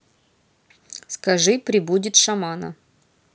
скажи пробудить шамана